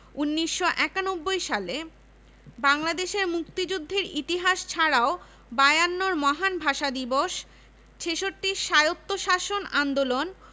অধ্যাপক আমিনুল ইসলাম মৃত্তিকা পানি ও পরিবেশ বিভাগ বিজ্ঞান ও প্রযুক্তি ১৯৯০ অধ্যাপক কাজী জাকের হোসেন প্রাণিবিদ্যা বিভাগ শিক্ষা